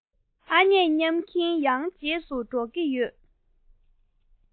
ཨེ རྙེད སྙམ གྱིན ཁོའི རྗེས སུ འགྲོ གི ཡོད